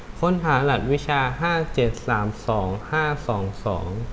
ค้นหารหัสวิชาห้าเจ็ดสามสองห้าสองสอง